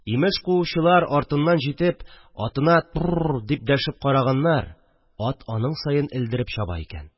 Имеш, куучылар, артыннан җитеп, атына «тпру» дип дәшеп караганнар, ат аның саен элдереп чаба икән